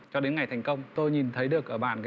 cho đến ngày thành công tôi nhìn thấy được ở bạn